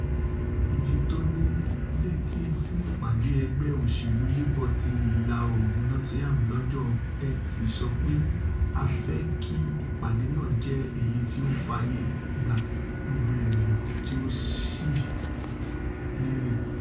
̀Ìfitónilétí fún ìpàdé ẹ̵gbẹ́ òṣèlú Labour ti Ìlà-oòrùn Nottingham lọ́jọ́ Ẹtì sọ pé ''a fẹ́ kí ìpàdé náà jẹ́ èyití ó fààyè gba gbogbo ènìyàn tí ó sì lérè.''